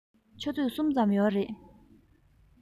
ཆུ ཚོད གསུམ ཙམ ཡོད རེད